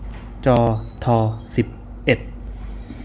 จอทอสิบเอ็ด